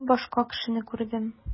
Мин башка кешене күрдем.